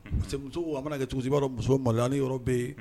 Parce que muso ko a mana kɛ cogo o cogo i b'a dɔn muso maloyali ye yɔrɔ bɛ ye